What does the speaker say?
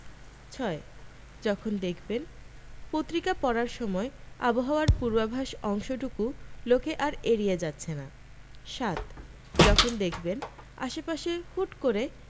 ৬. যখন দেখবেন পত্রিকা পড়ার সময় আবহাওয়ার পূর্বাভাস অংশটুকু লোকে আর এড়িয়ে যাচ্ছে না ৭. যখন দেখবেন আশপাশে হুট করে